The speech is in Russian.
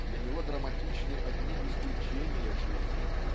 для него драматичны одни исключения жизни